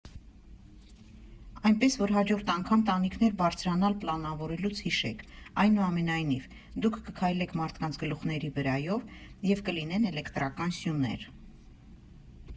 Այնպես որ հաջորդ անգամ տանիքներ բարձրանալ պլանավորելուց հիշեք, այնուամենայնիվ, դուք կքայլեք մարդկանց գլուխների վրայով և կլինեն էլեկտրական սյուներ։